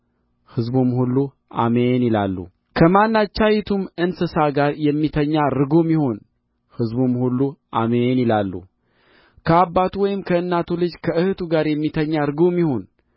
ሕዝቡም ሁሉ አሜን ይላሉ ከማናቸይቱም እንስሳ ጋር የሚተኛ ርጉም ይሁን ሕዝቡም ሁሉ አሜን ይላሉ ከአባቱ ወይም ከእናቱ ልጅ ከእኅቱ ጋር የሚተኛ ርጉም ይሁን